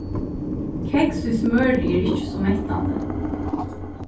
keks við smøri er ikki so mettandi